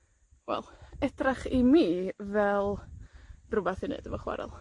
wel, edrach i mi fel rwbath i neud efo chwarel.